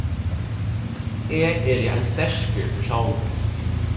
eg eri ein sterkur persónur